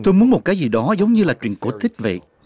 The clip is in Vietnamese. tôi muốn một cái gì đó giống như là truyện cổ tích vậy